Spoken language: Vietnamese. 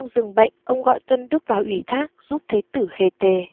giường bệnh ông gọi tuân tức vào ủy thác giúp thế tử hề tề